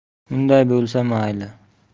unday bo'lsa mayli